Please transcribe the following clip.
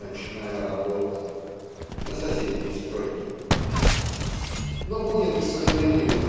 ночная работа" (на соседней стройке). Но Бунин к сожалению